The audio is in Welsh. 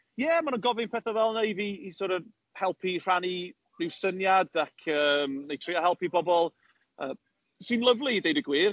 Ie, maen nhw'n gofyn pethe fel 'na i fi i sort of helpu rhannu ryw syniad ac yym, neu trio helpu bobl, yy, sy'n lyfli i ddeud y gwir.